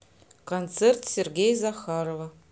концерт сергея захарова